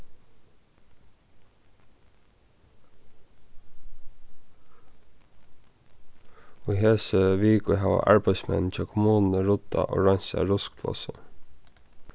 í hesi viku hava arbeiðsmenn hjá kommununi ruddað og reinsað ruskplássið